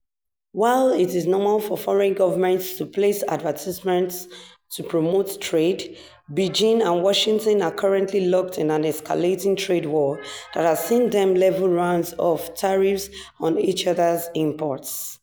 China's retaliatory tariffs early in the trade war were designed to hit exporters in states such as Iowa that supported Trump's Republican Party, Chinese and U.S. experts have said.